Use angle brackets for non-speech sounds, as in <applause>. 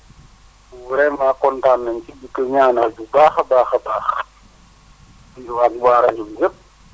vraiment kontaan nañu si di ko ñaanal bu baax a baax a baax <noise> nuyuwaale waa rajo bi yëpp